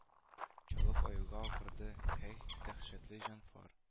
Чалык аюга акырды - һай дәһшәтле җанвар